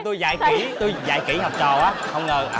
tôi dạy kĩ tôi dạy kĩ học trò á không ngờ